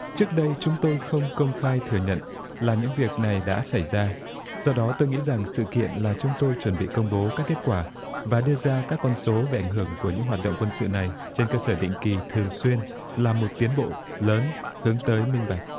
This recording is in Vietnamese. trước đây chúng tôi không công khai thừa nhận là những việc này đã xảy ra do đó tôi nghĩ rằng sự kiện là chúng tôi chuẩn bị công bố các kết quả và đưa ra các con số về ảnh hưởng của những hoạt động quân sự này trên cơ sở định kỳ thường xuyên là một tiến bộ lớn hướng tới minh bạch